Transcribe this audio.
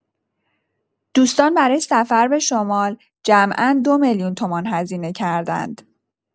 دوستان برای سفر به شمال جمعا دو میلیون تومان هزینه کردند.